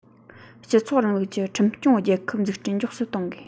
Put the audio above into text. སྤྱི ཚོགས རིང ལུགས ཀྱི ཁྲིམས སྐྱོང རྒྱལ ཁབ འཛུགས སྐྲུན མགྱོགས སུ གཏོང དགོས